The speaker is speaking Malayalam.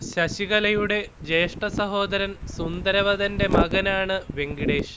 ശശികലയുടെ ജ്യേഷ്ഠ സഹോദരൻ സുന്ദരവദന്റെ മകനാണ് വെങ്കടേഷ്